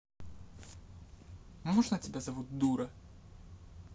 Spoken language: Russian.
можно тебя зовут дура